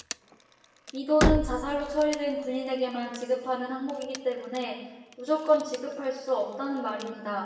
이 돈은 자살로 처리된 군인에게만 지급하는 항목이기 때문에 무조건 지급할 수 없다는 말입니다